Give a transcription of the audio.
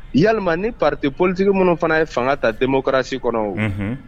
Yalima ni parti politique minnu fana ye fanga ta démocratie kɔnɔ o